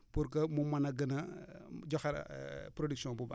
pour que mu mën a gën a joxe production bu baax